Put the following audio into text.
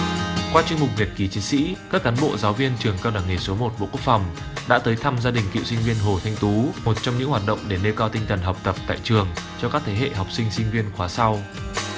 qua chuyên mục nhật ký chiến sĩ các cán bộ giáo viên trường cao đẳng nghề số một bộ quốc phòng đã tới thăm gia đình cựu sinh viên hồ thanh tú một trong những hoạt động để nêu cao tinh thần học tập tại trường cho các thế hệ học sinh sinh viên khóa sau